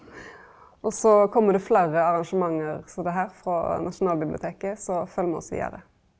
også kjem det fleire arrangement som det her frå Nasjonalbiblioteket, så følg med oss vidare!